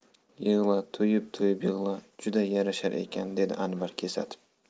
yig'la to'yib to'yib yig'la juda yarashar ekan dedi anvar kesatib